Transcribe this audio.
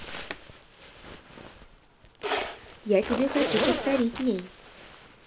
а тебе хочу повторить ней